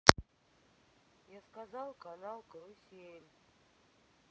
я сказал канал карусель